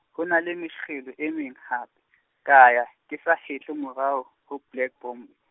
ho na le mekgelo e meng hape, ka ya, ke sa hetle morao, ho Black Bomber.